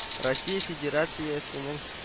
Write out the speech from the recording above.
Россия Федерациясенең